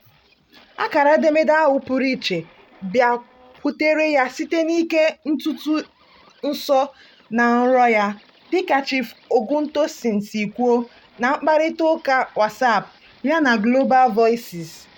Akara edemede ahụ pụrụ iche bịakwutere ya site n'ike ntụte nsọ na nrọ ya, dị ka Chief Ògúntósìn si kwuo na mkparịta ụka WhatsApp ya na Global Voices.